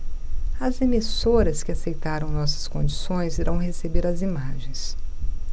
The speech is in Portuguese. as emissoras que aceitaram nossas condições irão receber as imagens